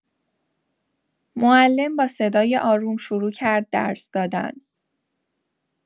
معلم با صدای آروم شروع کرد درس‌دادن.